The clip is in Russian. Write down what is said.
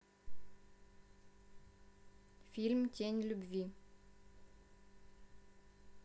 фильм тень любви